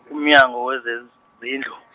uMnyango wezezindlu .